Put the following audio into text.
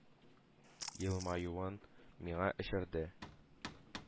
Елмаюын миңа эчерде.